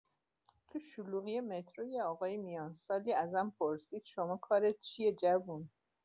تو شلوغی مترو یه آقای میانسالی ازم پرسید شما کارت چیه جوون؟